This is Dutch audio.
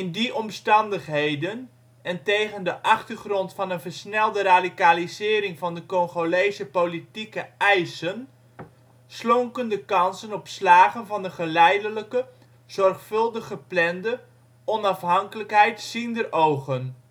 die omstandigheden, en tegen de achtergrond van een versnelde radicalisering van de Congolese politieke eisen, slonken de kansen op slagen van een geleidelijke, zorgvuldig geplande onafhankelijkheid zienderogen